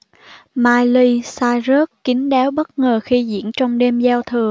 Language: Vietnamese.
miley cyrus kín đáo bất ngờ khi diễn trong đêm giao thừa